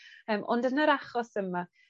Yym ond yn yr achos yma,